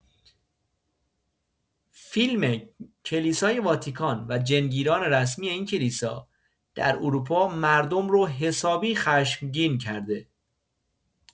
فیلم کلیسای واتیکان و جن‌گیران رسمی این کلیسا در اروپا مردم رو حسابی خشمگین کرده